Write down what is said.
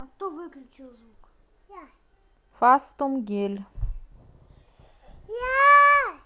фастум гель